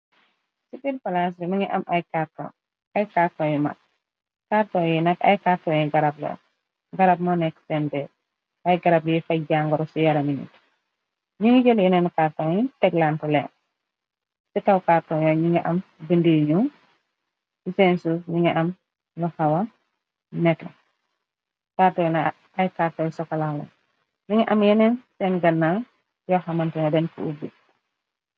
Si pir palaas ri mi ngi am ay karton yu mag karton yi nak ay kartonyu garab la garab monek seen de ay garab yi fay jàngoro ci yara minit ñi ngi jël yeneen karton yu teklantu lee ci kawkartonyu ñi ngi am bindi ñu sensus ñi ngi am lu xawa meta tarto n ay kartoy sokalawo mi ngi am yeneen seen ganna yoxamanto na den ku ubbi.